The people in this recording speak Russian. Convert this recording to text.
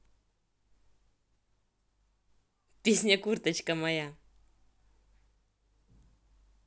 песня курточка моя